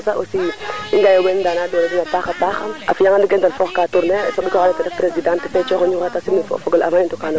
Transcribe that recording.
meɗe parce que wiin we moom o kino kiin yar fo teegin saqo teen meke i ndef na ka i mboga yaay mboga faap o leŋ xeefe kenum yit no dara